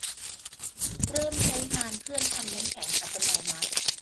เริ่มใช้งานเครื่องทำน้ำแข็งอัตโนมัติ